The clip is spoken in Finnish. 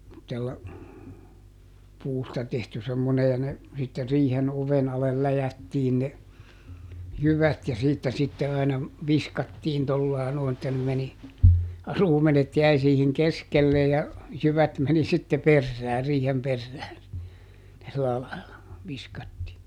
semmoisella puusta tehty semmoinen ja ne sitten riihen oven alle läjättiin ne jyvät ja siitä sitten aina viskattiin tuolla lailla noin että ne meni ruumenet jäi siihen keskelle ja jyvät meni sitten perään riihen perään sillä lailla viskattiin